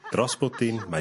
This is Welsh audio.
dros bwdin mae...